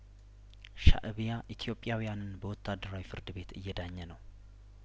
ሻእቢያ ኢትዮጵያውያንን በወታደራዊ ፍርድ ቤት እየዳኘ ነው